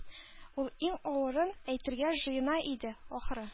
Ул иң авырын әйтергә җыена иде, ахры